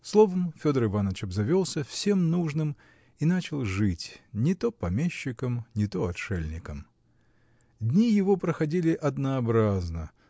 словом, Федор Иваныч обзавелся всем нужным и начал жить -- не то помещиком, не то отшельником. Дни его проходили однообразно